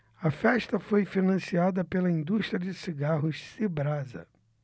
a festa foi financiada pela indústria de cigarros cibrasa